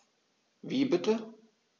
Wie bitte?